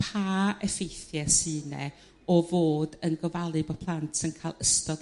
pa effeithie sy 'ne o fod yn gofalu bo' plant yn cael ystod